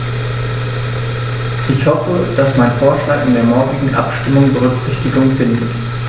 Ich hoffe, dass mein Vorschlag in der morgigen Abstimmung Berücksichtigung findet.